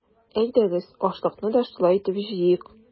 Әйдәгез, ашлыкны да шулай итеп җыйыйк!